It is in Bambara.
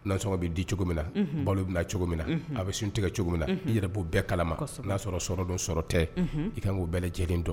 N' sɔn bɛ di cogo min na balo bɛ na cogo min na a bɛ sun tigɛ cogo min na i yɛrɛ b'o bɛɛ kalama n'a sɔrɔ sɔrɔdɔn sɔrɔ tɛ i kan n' bɛɛ lajɛlen dɔn